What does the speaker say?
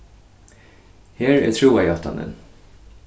her er trúarjáttanin